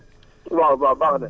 waaw waaw baax na